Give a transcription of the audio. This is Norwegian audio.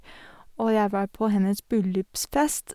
Og jeg var på hennes bryllupsfest.